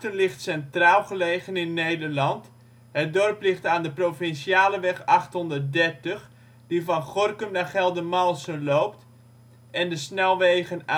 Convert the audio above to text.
ligt centraal gelegen in Nederland. Het dorp ligt aan de Provinciale weg 830 die van Gorinchem naar Geldermalsen loopt, en de snelwegen